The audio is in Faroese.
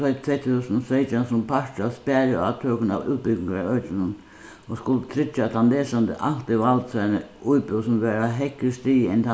tvey tvey túsund og seytjan sum partur av spariátøkum á útbúgvingarøkinum og skuldi tryggja at tann lesandi altíð valdi sær eina íbúð sum var á hægri stigi enn